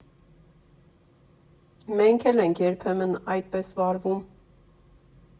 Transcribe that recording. Մենք էլ ենք երբեմն այդպես վարվում։